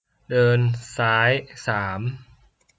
เดินซ้ายสาม